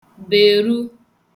bèru